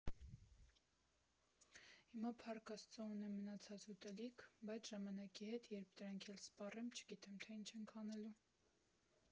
Հիմա, փառք Աստծո, ունեմ մնացած ուտելիք, բայց ժամանակի հետ երբ դրանք էլ սպառեմ, չգիտեմ, թե ինչ ենք անելու։